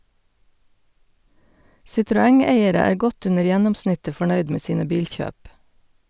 Citroën-eiere er godt under gjennomsnittet fornøyd med sine bilkjøp.